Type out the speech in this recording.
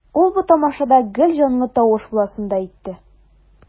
Ул бу тамашада гел җанлы тавыш буласын да әйтте.